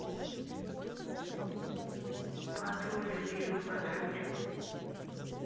патруль любимый патруль